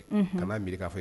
Ka'anrikafe ye